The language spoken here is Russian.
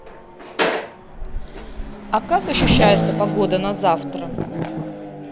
а как ощущается погода на завтра